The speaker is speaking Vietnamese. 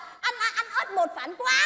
ăn ăn ớt bột phản quang